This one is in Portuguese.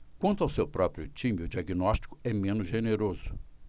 quanto ao seu próprio time o diagnóstico é menos generoso